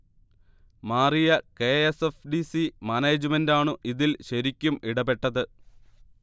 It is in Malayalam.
മാറിയ K. S. F. D. C. മാനേജ്മെന്റാണു ഇതിൽ ശരിക്കും ഇടപെട്ടത്